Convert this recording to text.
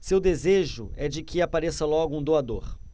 seu desejo é de que apareça logo um doador